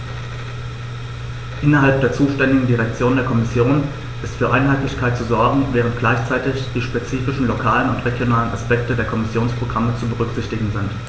Innerhalb der zuständigen Direktion der Kommission ist für Einheitlichkeit zu sorgen, während gleichzeitig die spezifischen lokalen und regionalen Aspekte der Kommissionsprogramme zu berücksichtigen sind.